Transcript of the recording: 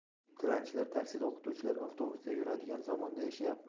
tilanchilar taksida o'qituvchilar avtobusda yuradigan zamonda yashayapmiz